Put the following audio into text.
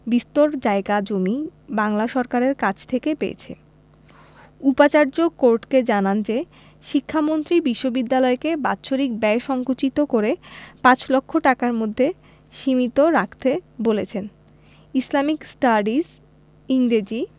বিস্তর জায়গা জমি বাংলা সরকারের কাছ থেকে পেয়েছে উপাচার্য কোর্টকে জানান যে শিক্ষামন্ত্রী বিশ্ববিদ্যালয়কে বাৎসরিক ব্যয় সংকুচিত করে পাঁচ লক্ষ টাকার মধ্যে সীমিত রাখতে বলেছেন ইসলামিক স্টাডিজ ইংরেজি